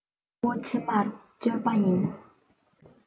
སྐྱ བ ཕྱི མར བཅོལ བ ཡི